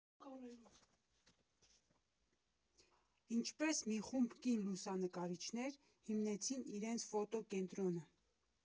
Ինչպես մի խումբ կին լուսանկարիչներ հիմնեցին իրենց ֆոտո կենտրոնը։